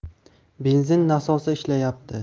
benzin nasosi ishlayapti